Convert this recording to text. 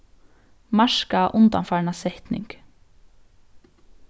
marka undanfarna setning